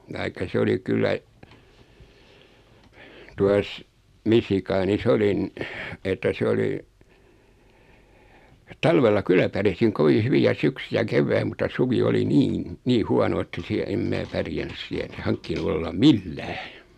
tai se oli kyllä tuossa Michiganissa olin että se oli talvella kyllä pärjäsin kovin hyvin ja syksy ja keväin mutta suvi oli niin niin huono että siellä en minä pärjännyt siellä enkä hankkinut olla millään